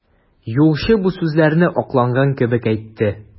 Юлчы бу сүзләрне акланган кебек әйтте.